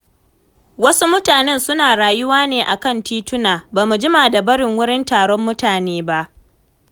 Wasu mutanen suna rayuwa a kan tituna, ba mu jima da barin wurin taron mutane ba.